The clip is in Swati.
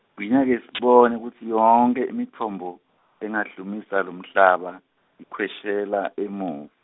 Gwinya ke sibone kutsi yonkhe imitfombo, lengahlumisa lomhlaba, ikhweshela emuv-.